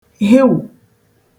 hewù